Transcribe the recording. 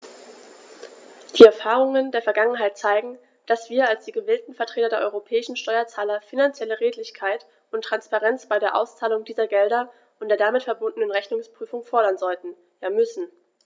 Die Erfahrungen der Vergangenheit zeigen, dass wir als die gewählten Vertreter der europäischen Steuerzahler finanzielle Redlichkeit und Transparenz bei der Auszahlung dieser Gelder und der damit verbundenen Rechnungsprüfung fordern sollten, ja müssen.